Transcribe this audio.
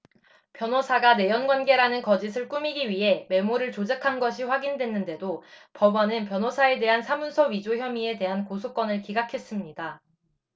변호사가 내연관계라는 거짓을 꾸미기 위해 메모를 조작한 것이 확인됐는데도 법원은 변호사에 대한 사문서 위조 혐의에 대한 고소 건을 기각했습니다